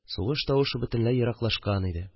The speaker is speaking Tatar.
Сугыш тавышы бөтенләй ераклашкан иде